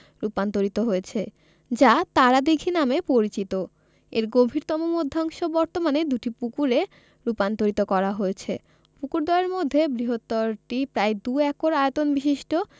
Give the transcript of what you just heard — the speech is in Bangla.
রূপান্তরিত হয়েছে যা তারা দিঘি নামে পরিচিত এর গভীরতম মধ্যাংশ বর্তমানে দুটি পুকুরে রূপান্তরিত করা হয়েছে পুকুরদ্বয়ের মধ্যে বৃহত্তরটি প্রায় দুএকর আয়তন বিশিষ্ট